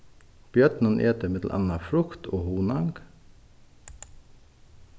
bjørnin etur millum annað frukt og hunang